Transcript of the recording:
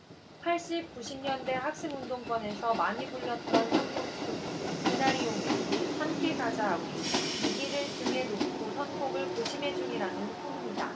팔십 구십 년대 학생운동권에서 많이 불렸던 상록수 그날이 오면 함께 가자 우리 이 길을 등을 놓고 선곡을 고심 중이라는 후문이다